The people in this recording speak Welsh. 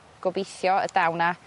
gobeithio y daw 'na